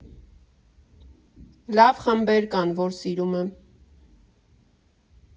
Լավ խմբեր կան, որ սիրում եմ.